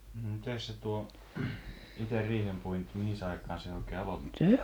no mitenkäs se tuo itse riihenpuinti mihinkäs aikaan se oikein aloitettiin